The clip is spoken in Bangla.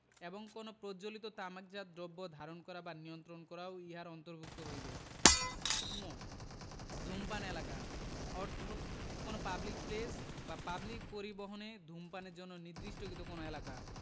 এবং কোন প্রজ্বলিত তামাকজাত দ্রব্য ধারণ করা বা নিয়ন্ত্রণ করাও ইহার অন্তর্ভুক্ত হইবে ঙ ধূমপান এলাকা অর্থ কোন পাবলিক প্লেস বা পাবলিক পরিবহণে ধূমপানের জন্য নির্দিষ্টকৃত কোন এলাকা